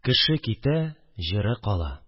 Кеше китә - җыры кала